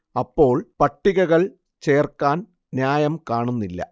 അപ്പോൾ പട്ടികകൾ ചേർക്കാൻ ന്യായം കാണുന്നില്ല